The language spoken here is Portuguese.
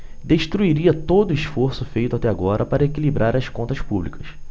destruiria todo esforço feito até agora para equilibrar as contas públicas